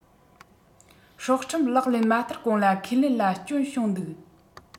སྲོག ཁྲིམས ལག ལེན མ བསྟར གོང ལ ཁས ལེན ལ སྐྱོན བྱུང འདུག